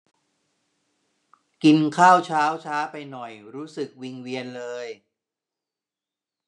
กินข้าวเช้าช้าไปหน่อยรู้สึกวิงเวียนเลย